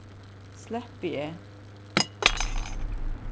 sleppi eg